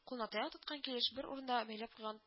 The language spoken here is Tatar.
Кулыңа таяк тоткан килеш, бер урныда бәйләп куйган